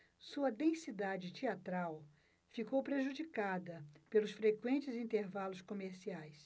sua densidade teatral ficou prejudicada pelos frequentes intervalos comerciais